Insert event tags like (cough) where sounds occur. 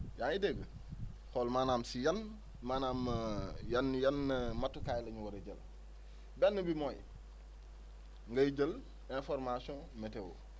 yaa ngi dégg xool maanaam si yan maanaam yan yan (hesitation) matukaay la ñu war a jël benn bi mooy ngay jël information météo